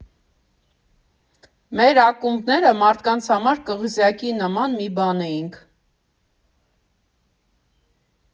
Մեր ակումբները մարդկանց համար կղզյակի նման մի բան էինք։